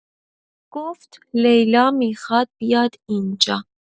گفت لیلا میخواد بیاد اینجا